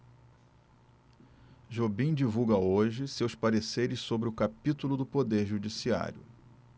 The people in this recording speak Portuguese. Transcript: jobim divulga hoje seus pareceres sobre o capítulo do poder judiciário